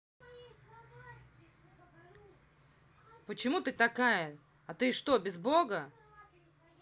почему ты такая а ты что без бога